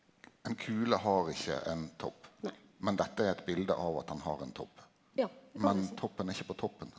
ein kule har ikkje ein topp, men dette er eit bilde av at han har ein topp men toppen er ikkje på toppen.